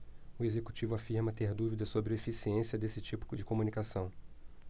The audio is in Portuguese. o executivo afirma ter dúvidas sobre a eficiência desse tipo de comunicação